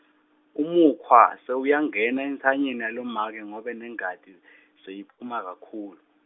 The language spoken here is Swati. umukhwa, sewuyangena entsanyeni yalomake ngobe nengati, seyiphuma kakhulu.